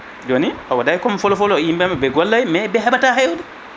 joni a waɗay comme folofolo ni yimɓe ɓe gollay mais ɓe heeɓata hay hunde